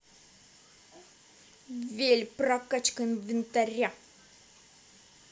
вели прокачка инвентаря